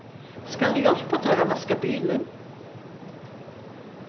skal eg hjálpa tær at vaska bilin